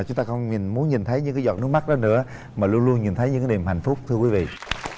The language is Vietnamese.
chúng ta không nhìn muốn nhìn thấy những giọt nước mắt đó nữa mà luôn luôn nhìn thấy những cái niềm hạnh phúc thưa quý vị